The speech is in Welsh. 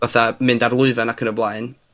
fatha mynd ar lwyfan ac yn y blaen,